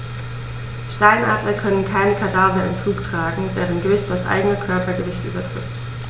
Steinadler können keine Kadaver im Flug tragen, deren Gewicht das eigene Körpergewicht übertrifft.